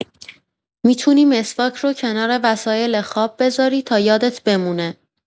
می‌تونی مسواک رو کنار وسایل خواب بذاری تا یادت بمونه.